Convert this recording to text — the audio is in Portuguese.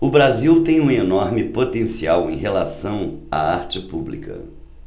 o brasil tem um enorme potencial em relação à arte pública